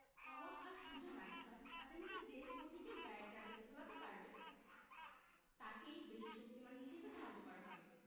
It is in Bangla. হাওয়া আর সূর্য রাজি হয় তাদের মধ্যে যে পথিকে গায়ের চাদর খোলাতে পারবে তাকেই বেশি শক্তিমান হিসেবে ধার্য করা হবে